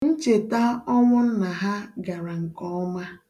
Ncheta ọnwụ nna ha gara nkeọma.